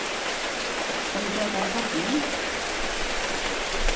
skal eg gera tær ein kaffimunn